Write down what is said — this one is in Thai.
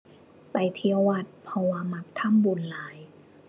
ไปเที่ยววัด เพราะว่ามักทำบุญหลาย